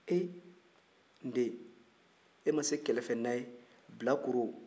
e n den e ma se kɛlɛfɛ na ye bilakoro